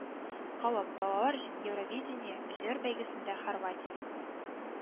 Калып:Балалар өчен Евровидение җыр бәйгесендә Хорватия